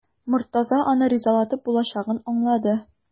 Мортаза аны ризалатып булачагын аңлады.